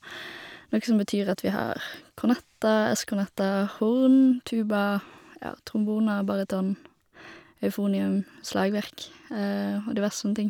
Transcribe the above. Noe som betyr at vi har kornetter, ess-kornetter, horn, tuba, ja, tromboner, baryton, eufonium, slagverk og diverse sånne ting.